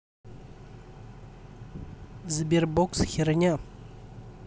sberbox херня